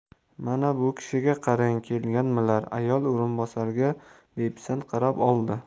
mana bu kishiga qarang kelganmilar ayol o'rinbosarga bepisand qarab oldi